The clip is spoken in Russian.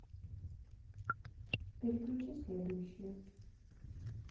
переключи следующую